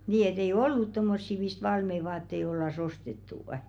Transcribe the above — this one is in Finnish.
niin että ei ollut tuommoisia mistä valmiita vaatteita oltaisiin ostettu